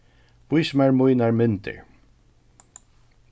vís mær mínar myndir